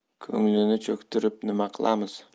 ko'nglini cho'ktirib nima qilamiz